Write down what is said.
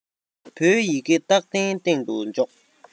མི ཕོའི ཡི གེ སྟག གདན སྟེང དུ འཇོག